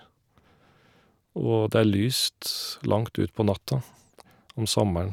Og det er lyst langt utpå natta om sommeren.